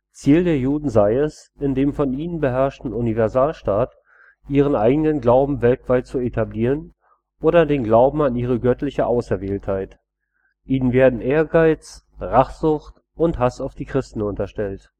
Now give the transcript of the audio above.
Ziel der Juden sei es, in dem von ihnen beherrschten Universalstaat ihren eigenen Glauben weltweit zu etablieren oder den Glauben an ihre göttliche Auserwähltheit, ihnen werden Ehrgeiz, Rachsucht und Hass auf die Christen unterstellt